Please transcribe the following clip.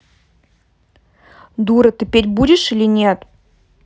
дура ты петь будешь или нет